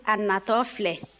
a natɔ filɛ